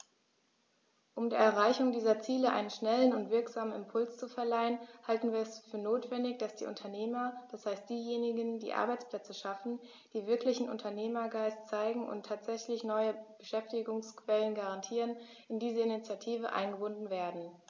Um der Erreichung dieser Ziele einen schnellen und wirksamen Impuls zu verleihen, halten wir es für notwendig, dass die Unternehmer, das heißt diejenigen, die Arbeitsplätze schaffen, die wirklichen Unternehmergeist zeigen und tatsächlich neue Beschäftigungsquellen garantieren, in diese Initiative eingebunden werden.